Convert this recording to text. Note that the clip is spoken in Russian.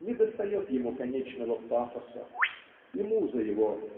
Недостает ему конечного пафоса, и муза его